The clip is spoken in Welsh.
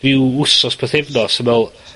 ryw wsos pythefnos yn me'wl